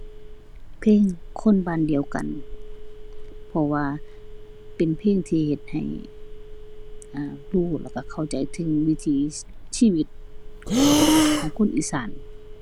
เพลงคนบ้านเดียวกัน เพราะว่าเป็นเพลงที่เฮ็ดให้ อ่า รู้แล้วก็เข้าใจถึงวิถีชีวิต ของคนอีสาน